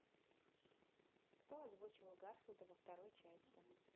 кто озвучивал гарфилда во второй части